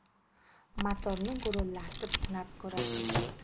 motorni gurillatib sinab ko'rar edi